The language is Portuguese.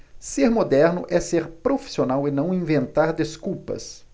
ser moderno é ser profissional e não inventar desculpas